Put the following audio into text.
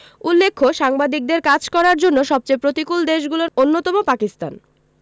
উল্লেখ্য সাংবাদিকদের কাজ করার জন্য সবচেয়ে প্রতিকূল দেশগুলোর অন্যতম পাকিস্তান